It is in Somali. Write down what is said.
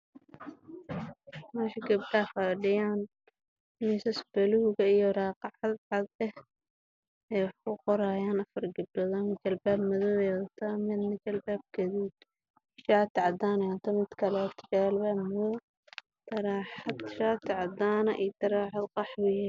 Waa hool waxaa fadhiya gabdho dhakhtar ah